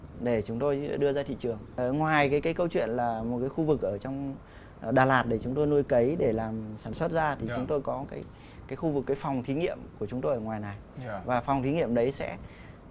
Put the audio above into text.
để chúng tôi đưa ra thị trường ở ngoài cái kết câu chuyện là một cái khu vực ở trong đà lạt để chúng tôi nuôi cấy để làm sản xuất ra thì chúng tôi có cái cái khu vực với phòng thí nghiệm của chúng tôi ngoài này và phòng thí nghiệm đấy sẽ